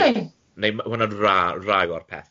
Neu ma- ma' hwnna'n ra- rai o'r pethe.